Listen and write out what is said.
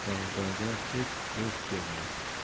savdogar hech do'st bo'lmas